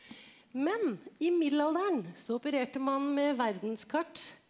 men i middelalderen så opererte man med verdenskart.